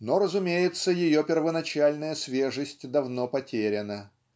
Но, разумеется, ее первоначальная свежесть давно потеряна